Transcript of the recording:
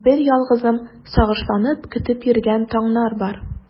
Берьялгызым сагышланып көтеп йөргән таңнар бар.